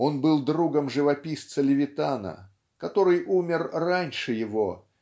Он был другом живописца Левитана который умер раньше его